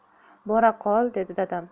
bora qol dedi dadam